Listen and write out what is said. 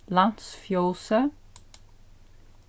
landsfjósið